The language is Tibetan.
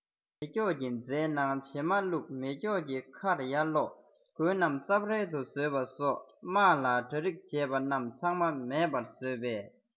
མེ སྒྱོགས ཀྱི རྫས ནང བྱེ མ བླུགས མེ སྒྱོགས ཀྱི ཁ ཕར སློགས རྣམས རྩབ ཧྲལ དུ བཟོས པ སོགས དམག ལ གྲ སྒྲིག བྱས པ རྣམས ཚང མ མེར པར བཟོས པས